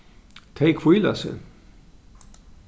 tey hvíla seg